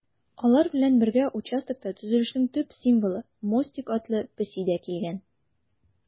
Алар белән бергә участокта төзелешнең төп символы - Мостик атлы песи дә килгән.